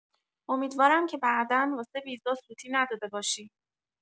امیدوارم که بعدا واسه ویزا سوتی نداده باشی.